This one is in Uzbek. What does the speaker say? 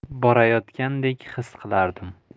borayotgandek his qilardim